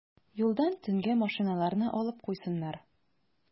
Юлдан төнгә машиналарны алып куйсыннар.